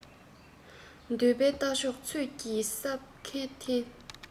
འདོད པའི རྟ མཆོག ཚོད ཀྱིས སྲབ ཁ འཐེན